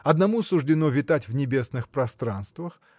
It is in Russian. одному суждено витать в небесных пространствах